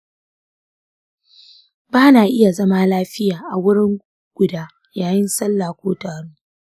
ba na iya zama lafiya a wuri guda yayin sallah ko taro.